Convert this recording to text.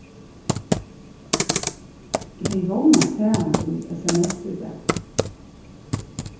eg hevði vónað at sæð hana í sms í dag